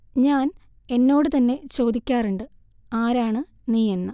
ഞാൻ എന്നോട് തന്നെ ചോദിക്കാറുണ്ട് ആരാണ് നീഎന്ന്